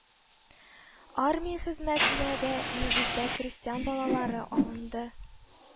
Армия хезмәтенә дә, нигездә, крестьян балалары алынды